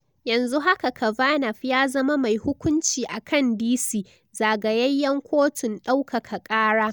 Yanzu haka Kavanaugh ya zama mai hukunci akan D.C. Zagayayyen kotun daukaka kara.